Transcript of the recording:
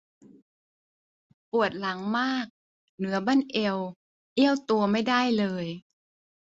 ปวดหลังมากเหนือบั้นเอวเอี้ยวตัวไม่ได้เลย